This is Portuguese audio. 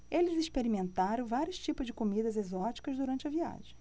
eles experimentaram vários tipos de comidas exóticas durante a viagem